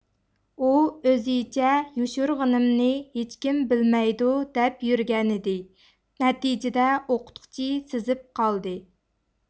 ئۇ ئۆزىچە يوشۇرغىنىمنى ھېچكىم بىلمەيدۇ دەپ يۈرگەنىدى نەتىجىدە ئوقۇتقۇچى سېزىپ قالدى